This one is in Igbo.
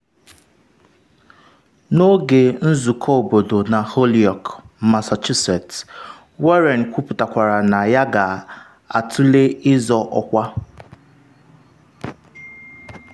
N’oge nzụkọ obodo na Holyoke, Massachusetts, Warren kwuputakwara na ya ga-atule ịzọ ọkwa.